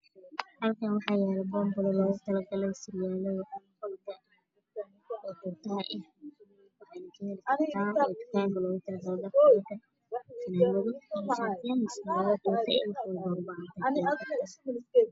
Halkaan waxaa yaalo boombale loogu tala galay surwaalada waxaana ka heli kartaa tukaanka loogu tala galay dharka fanaanado. Fanaanado tuuke eh iyo wax walbo u baahan tahay.